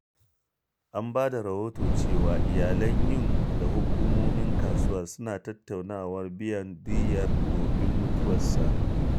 An ba da rahoton cewa iyalan Yuan da hukumomin kasuwar suna tattaunawar biyan diyyar don mutuwarsa.